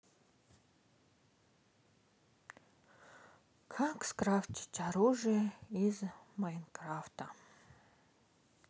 как скрафтить оружие из майнкрафта